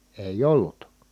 ei ollut